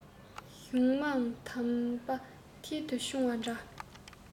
གཞུང མང གདམས པ མཐིལ དུ ཕྱུང བ འདྲ